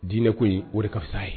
Diinɛ ko in o de ka fisa ye